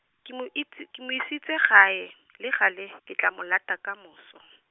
ke mo itse, ke me sitse gae, le gale, ke tla mo lata ka moso.